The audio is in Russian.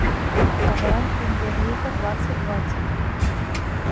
квн премьер лига двадцать двадцать